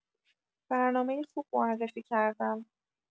برنامه خوب معرفی کردم